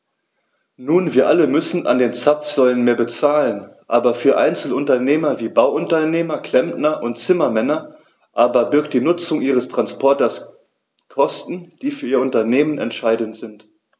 Nun wir alle müssen an den Zapfsäulen mehr bezahlen, aber für Einzelunternehmer wie Bauunternehmer, Klempner und Zimmermänner aber birgt die Nutzung ihres Transporters Kosten, die für ihr Unternehmen entscheidend sind.